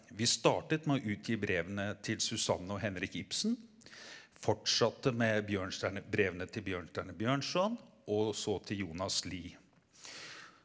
vi startet med å utgi brevene til Suzannah og Henrik Ibsen, fortsatte med Bjørnstjerne brevene til Bjørnstjerne Bjørnson, og så til Jonas Lie.